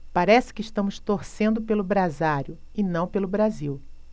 parece que estamos torcendo pelo brasário e não pelo brasil